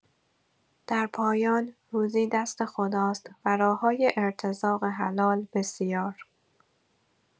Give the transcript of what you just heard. در پایان، روزی دست خداست و راه‌های ارتزاق حلال بسیار.